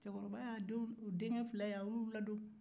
cɛkɔrɔba y'a denw u denkɛfila in a y'u ladon